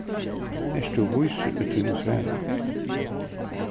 ert tú vísur í tínum svari